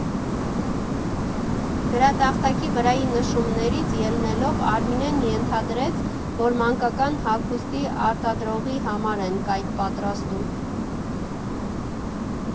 Գրատախտակի վրայի նշումներից ելնելով, Արմինեն ենթադրեց, որ մանկական հագուստի արտադրողի համար են կայք պատրաստում։